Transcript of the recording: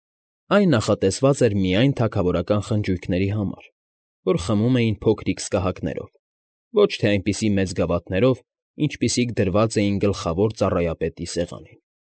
Այն նախատեսված էր միայն թագավորական խնջույքների համար, որ խմում էին փոքրիկ սկահակներով, ոչ թե այնպիսի մեծ գավաթներով, ինչպիսիք դրված էին գլխավոր ծառայապետի սեղանին։